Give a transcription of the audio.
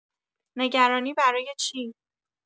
نگرانی برای چی